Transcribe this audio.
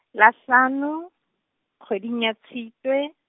la hlano, kgweding ya Tshitwe.